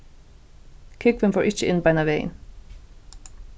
kúgvin fór ikki inn beinanvegin